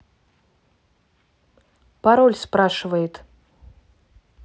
пароль спрашивает